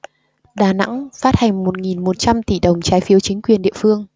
đà nẵng phát hành một nghìn một trăm tỷ đồng trái phiếu chính quyền địa phương